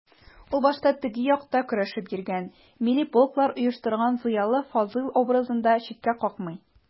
Ул башта «теге як»та көрәшеп йөргән, милли полклар оештырган зыялы Фазыйл образын да читкә какмый.